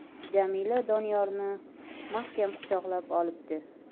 jamila doniyorni mah kam quchoqlab olibdi